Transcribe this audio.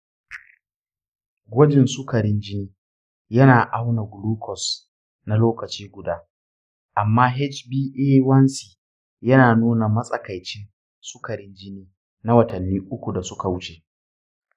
gwajin sukarin jini yana auna glucose na lokaci guda, amma hba1c yana nuna matsakaicin sukarin jini na watanni uku da suka wuce.